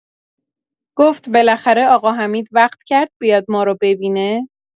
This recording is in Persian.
گفت: «بالاخره آقا حمید وقت کرد بیاد ما رو ببینه؟»